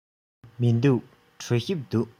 མི འདུག གྲོ ཞིབ འདུག